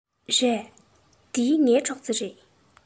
འདི ཁོའི ཞ སྨྱུག རེད པས